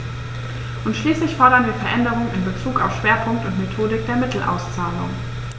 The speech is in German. Und schließlich fordern wir Veränderungen in bezug auf Schwerpunkt und Methodik der Mittelauszahlung.